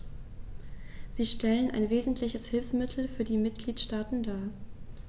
Sie stellen ein wesentliches Hilfsmittel für die Mitgliedstaaten dar.